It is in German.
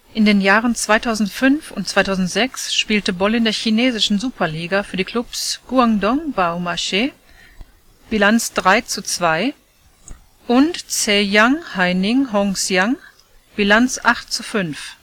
In den Jahren 2005 und 2006 spielte Boll in der chinesischen Superliga für die Clubs Guangdong Baomashi (Bilanz: 3:2) und Zhejiang Haining Hongxiang (Bilanz: 8:5